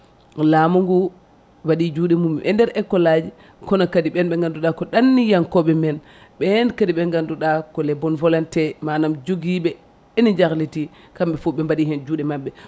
laamu ngu waɗi juuɗe mum e nder école aji kono kadi ɓen ɓe ganduɗa ko ɗanniyankoɓe men ɓen kadi ɓe ganduɗa ko les boones volontés manam joguiɓe ina jarliti kamɓe fo ɓe mbiɗi hen juuɗe mabɓe